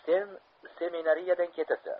sen seminariyadan ketasan